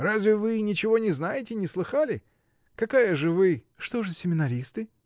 Разве вы ничего не знаете, не слыхали? Какая же вы. — Что же семинаристы?